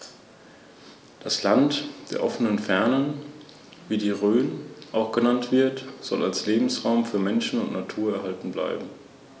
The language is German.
In seiner östlichen Hälfte mischte sich dieser Einfluss mit griechisch-hellenistischen und orientalischen Elementen.